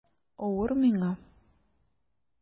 Авыр миңа...